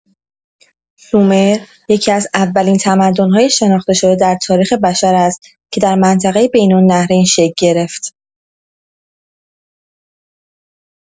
سومر یکی‌از اولین تمدن‌های شناخته‌شده در تاریخ بشر است که در منطقه بین‌النهرین شکل گرفت.